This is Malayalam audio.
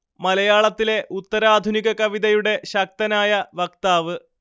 മലയാളത്തിലെ ഉത്തരാധുനിക കവിതയുടെ ശക്തനായ വക്താവ്